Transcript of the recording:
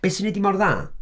Beth sy'n wneud hi mor dda.